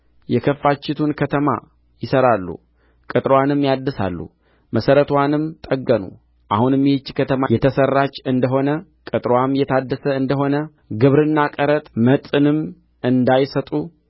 የከፋቺቱን ከተማ ይሠራሉ ቅጥርዋንም ያድሳሉ መሠረትዋንም ጠገኑ አሁንም ይህች ከተማ የተሠራች እንደ ሆነ ቅጥርዋም የታደሰ እንደ ሆነ ግብርና ቀረጥ መጥንም እንዳይሰጡ